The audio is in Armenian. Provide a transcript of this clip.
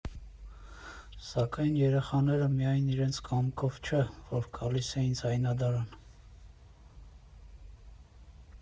Սակայն երեխաները միայն իրենց կամքով չէ, որ գալիս էին ձայնադարան։